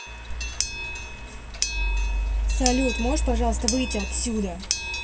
салют можешь пожалуйста выйти отсюда